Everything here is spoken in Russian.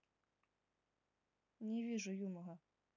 не вижу юмора